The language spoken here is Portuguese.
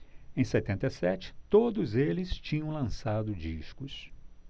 em setenta e sete todos eles tinham lançado discos